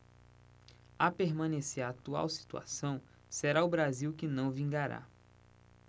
a permanecer a atual situação será o brasil que não vingará